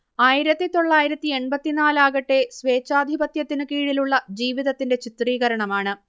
ആയിരത്തിതൊള്ളായിരത്തി എൺപത്തിനാലാകട്ടെ സ്വേച്ഛാധിപത്യത്തിന്കീഴിലുള്ള ജീവിതത്തിന്റെ ചിത്രീകരണമാണ്